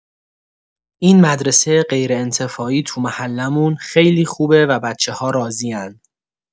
این مدرسه غیرانتفاعی تو محله‌مون خیلی خوبه و بچه‌ها راضی‌ان.